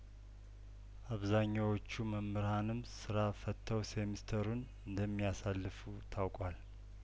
አብዛኛዎቹ መምህራንም ስራ ፈተው ሴምስተሩን እንደሚያሳልፉ ታውቋል